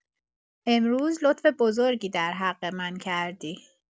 امروز لطف بزرگی در حق من کردی.